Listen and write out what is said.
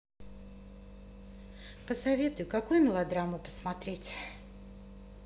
посоветуй какую мелодраму посмотреть